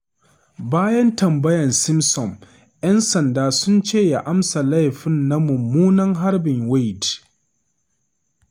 Bayan tambayan Simpson, ‘yan sanda sun ce ya amsa laifi na mummunan harbin Wayde.